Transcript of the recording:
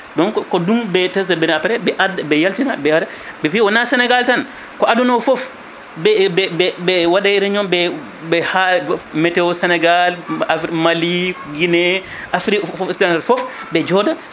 donc ko ɗum ɓe * ɓe arde ɓe yaltina ɓe ara épuis wona Sénégal tan ko adouna o foof ɓe ɓe ɓe waɗe réunion ɓe haala météo Sénégal Mali Guinée Afrique occidentale foof ɓe jooɗo